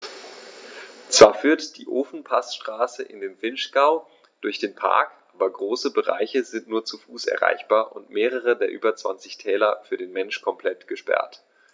Zwar führt die Ofenpassstraße in den Vinschgau durch den Park, aber große Bereiche sind nur zu Fuß erreichbar und mehrere der über 20 Täler für den Menschen komplett gesperrt.